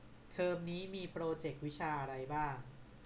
เทอมนี้มีโปรเจควิชาอะไรบ้าง